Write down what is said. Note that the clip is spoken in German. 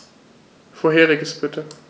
Vorheriges bitte.